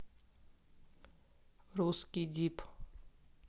русский дип